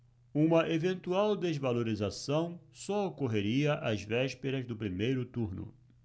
uma eventual desvalorização só ocorreria às vésperas do primeiro turno